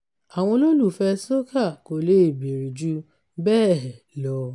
Àwọn olólùfẹ́ẹ Soca kò le è béèrè ju bẹ́hẹ̀ lọ.